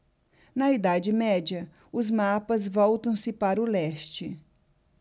na idade média os mapas voltam-se para o leste